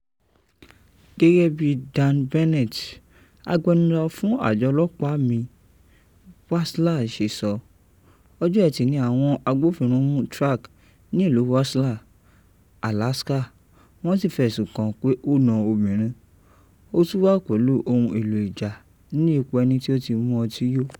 Gẹ́gẹ́ bí Dan Bennett, agbẹnusọ fún àjọ ọlọ́pàá mí Wasilla ṣe sọ, Ọjọ ẹtì ni àwọn agbófinró mú Track ní ìlú Wasilla, Alaska, wọ́n sì fẹ̀sùn kàn án pé ò na obìnrin, ó tún wà pẹ̀lú ohun èlò ìjà ní ipò ẹni ti ó ti mú ọtí yó.